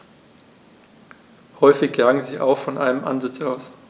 Häufig jagen sie auch von einem Ansitz aus.